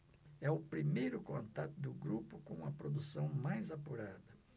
é o primeiro contato do grupo com uma produção mais apurada